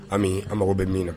An mago bɛ min na